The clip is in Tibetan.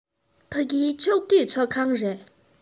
ཕ གི ཕྱོགས བསྡུས ཚོགས ཁང རེད